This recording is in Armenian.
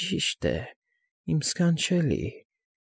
Ճիշտ է, իմ ս֊ս֊սքանչելի։